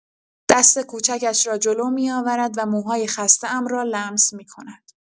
دست کوچکش را جلو می‌آورد و موهای خسته‌ام را لمس می‌کند.